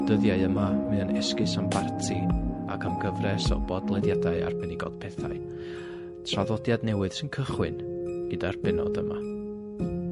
Dyddiau yma, mae o'n esgus am barti ac am gyfres o bodlediadau arbennig o pethau, traddodiad newydd sy'n cychwyn gyda'r bennod yma.